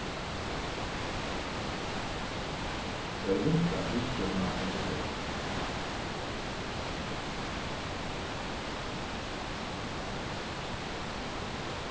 tað er ringt at ritstjórna ein pdf